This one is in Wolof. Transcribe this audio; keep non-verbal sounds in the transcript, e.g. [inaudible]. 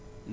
[hesitation] [hesitation]